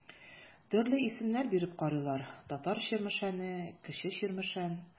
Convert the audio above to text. Төрле исемнәр биреп карыйлар: Татар Чирмешәне, Кече Чирмешән.